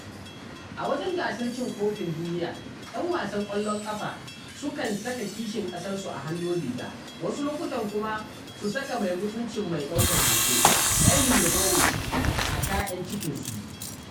A wajen Gasar Cin Kofin Duniya, 'yan wasan ƙwallon ƙafa sukan saka kishin ƙasarsu a hannun riga wasu lokutan kuma su saka mai mutuncin mai ɗaukar hoto, Annie Leibowwitz a ka 'yan cikinsu.